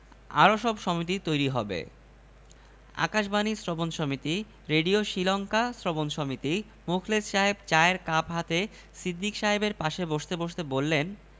কুমীর মার্কা বাক্সে জাতীয় ফাজলামী না নতুন স্টাইল আমরা জীবন্ত কুমীর নিয়ে আসব জীবন্ত কুমীর হ্যাঁ জীবন্ত কুমীর নির্বাচনী প্রচার হবে জ্যান্ত কুমীর দিয়ে